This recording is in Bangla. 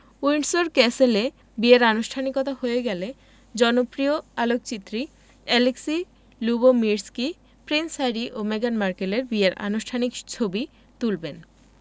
উইন্ডসর ক্যাসেলে বিয়ের আনুষ্ঠানিকতা হয়ে গেলে জনপ্রিয় আলোকচিত্রী অ্যালেক্সি লুবোমির্সকি প্রিন্স হ্যারি ও মেগান মার্কেলের বিয়ের আনুষ্ঠানিক ছবি তুলবেন